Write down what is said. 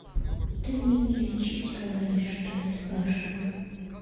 ты мне не лечить говоришь что я спрашиваю